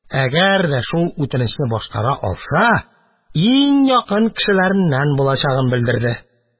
Әгәр дә шул үтенечне башкара алса, иң якын кешеләреннән булачагын белдерде.